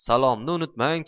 salomni unutmang